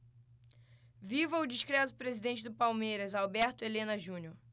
viva o discreto presidente do palmeiras alberto helena junior